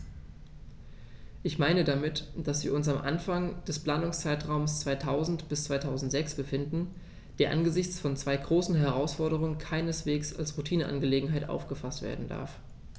Ich meine damit, dass wir uns am Anfang des Planungszeitraums 2000-2006 befinden, der angesichts von zwei großen Herausforderungen keineswegs als Routineangelegenheit aufgefaßt werden darf.